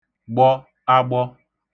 gbọ agbọ